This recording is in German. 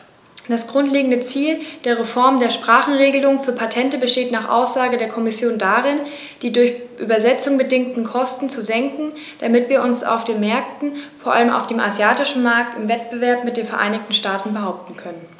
Das grundlegende Ziel der Reform der Sprachenregelung für Patente besteht nach Aussage der Kommission darin, die durch Übersetzungen bedingten Kosten zu senken, damit wir uns auf den Märkten, vor allem auf dem asiatischen Markt, im Wettbewerb mit den Vereinigten Staaten behaupten können.